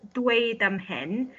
dweud am hyn?